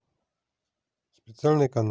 специальный канал